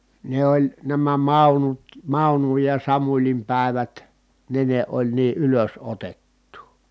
ne oli nämä Maunut Maunun ja Samulin päivät ne ne oli niin ylösotettua